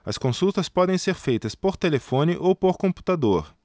as consultas podem ser feitas por telefone ou por computador